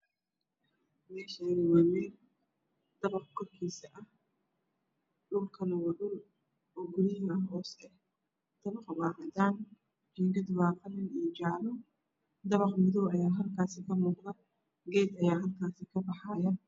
Meeshaan waa meel dabaq korkiisa ah dhulkana waa dhul siman. Dabaqa waa cadaan jiingadu waa qalin iyo jaalo. Dabaq madow ah ayaa halkaas kamuuqdo. Geed ayaa kabaxaayo.